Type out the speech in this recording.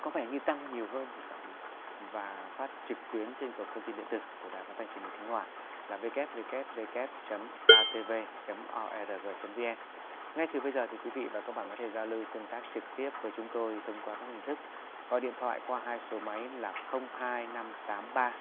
có vẻ như tăng nhiều hơn thì phải và phát trực tuyến trên cổng thông tin điện tử của đài phát thanh truyền hình khánh hòa là vê kép vê kép vê kép chấm ca tê vê chấm o e rờ gờ chấm vi en ngay từ bây giờ thì quý vị và các bạn có thể giao lưu tương tác trực tiếp với chúng tôi thông qua các hình thức gọi điện thoại qua hai số máy là không hai năm tám ba